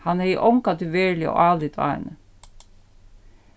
hann hevði ongantíð veruliga álit á henni